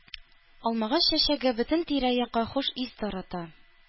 Алмагач чәчәге бөтен тирә-якка хуш ис тарата.